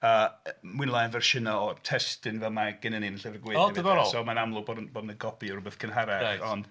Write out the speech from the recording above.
Yy mwy neu lai yn fersiynau o testun fel mae gennym ni yn y Llyfr Gwyn... O diddorol... So, mae'n amlwg bod... bod 'na gopi o rhywbeth cynharach... Reit.